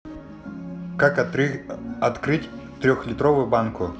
как открыть трехлитровую банку